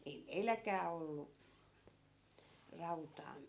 ei meilläkään ollut rautaa